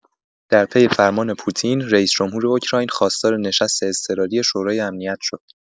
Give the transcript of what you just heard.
در پی فرمان پوتین، رئیس‌جمهور اوکراین خواستار نشست اضطراری شورای امنیت شد.